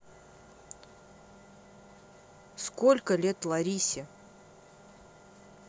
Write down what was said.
сколько лет ларисе